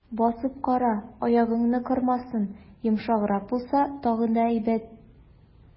Басып кара, аягыңны кырмасын, йомшаграк булса, тагын да әйбәт.